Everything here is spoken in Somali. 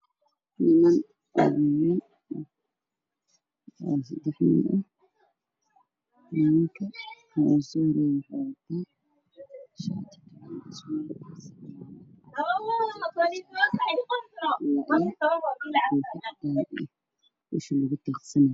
Waxaa ii muuqda saddex nin oo oday ah nin oday ayaa taagan oo koofi wata shaatiga uu wato waa buluug